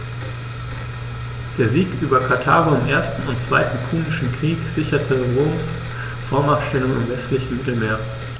Der Sieg über Karthago im 1. und 2. Punischen Krieg sicherte Roms Vormachtstellung im westlichen Mittelmeer.